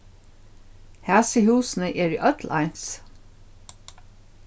hasi húsini eru øll eins